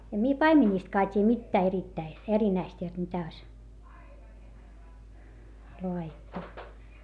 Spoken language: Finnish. en minä paimenistakaan tiedä mitään erittäin erinäistä jotta mitä olisi laadittu